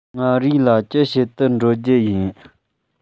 མངའ རིས ལ ཅི བྱེད དུ འགྲོ རྒྱུ ཡིན